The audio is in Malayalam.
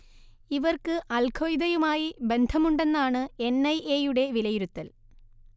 ഇവർക്ക് അൽ ഖ്വയ്ദയുമായി ബന്ധമുണ്ടെന്നാണ് എൻ ഐ എ യുടെ വിലയിരുത്തൽ